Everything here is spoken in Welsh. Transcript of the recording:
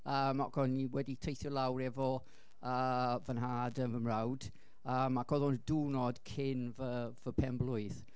yym ac o'n i wedi teithio lawr efo yy fy nhad a fy mhrawd, yym ac oedd hwn diwrnod cyn fy fy penblwydd.